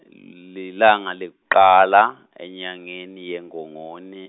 lilanga lekucala enyangeni yeNgongoni.